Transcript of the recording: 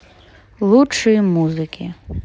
лучшие музыки